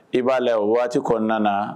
I b'a la waati kɔnɔna kɔnɔna na